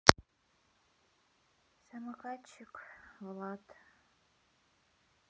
самокатчик влад